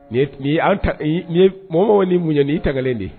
Ye mɔgɔ ni mun ye ni talen de ye